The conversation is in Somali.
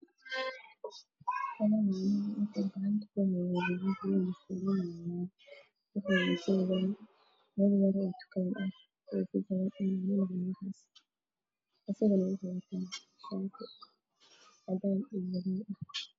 Meeshaan waxaa yaalo hilib karsan midabkiisu waa madow iyo jaalo wuxuuna saaran yahay miis madow ah